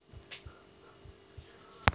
включи английская песня